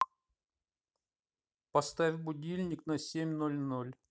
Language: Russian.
поставь будильник на семь ноль ноль